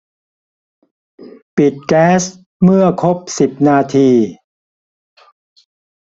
ปิดแก๊สเมื่อครบสิบนาที